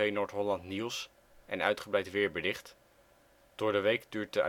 Noord-Holland nieuws en uitgebreid weerbericht, Door de week duurt